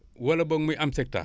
wala boog muy amsecta